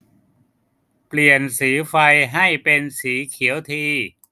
เปลี่ยนสีไฟให้เป็นสีเขียวที